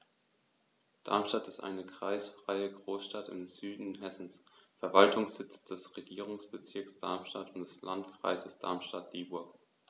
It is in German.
Darmstadt ist eine kreisfreie Großstadt im Süden Hessens, Verwaltungssitz des Regierungsbezirks Darmstadt und des Landkreises Darmstadt-Dieburg.